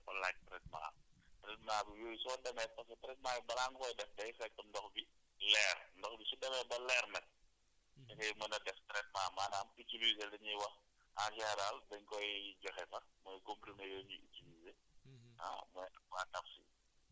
léegi nag ndox yooyu faaw mu am dafa laaj traitement traitement bi yooyu soo demee parce que traitement yi balaa nga koy def day fekk ndox bi leer ndox bi su demee ba leer nag da ngay mën a def traitement maanaam utiliser li ñuy wax en général dañ koy joxe sax mooy comprimé yooyu ñuy distribué